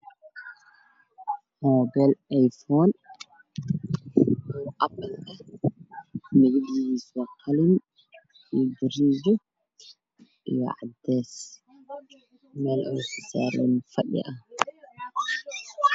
Mobile iphone ayaa jabay waxa uuna saaran yahay maamulka kasoo dhacay mirado dheer ma beelkaas wuxuu noqday finish